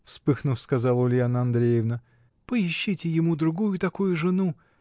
— вспыхнув, сказала Ульяна Андревна, — поищите ему другую такую жену.